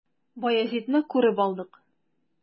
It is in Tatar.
Баязитны күреп алдык.